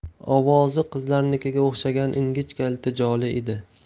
ovozi qizlarnikiga o'xshagan ingichka iltijoli edi